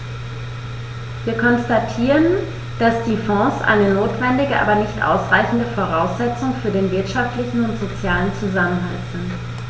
Wir konstatieren, dass die Fonds eine notwendige, aber nicht ausreichende Voraussetzung für den wirtschaftlichen und sozialen Zusammenhalt sind.